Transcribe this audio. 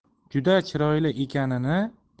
juda chiroyli ekanini